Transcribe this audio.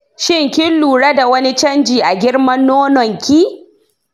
shin kin lura da wani canji a girman nononki?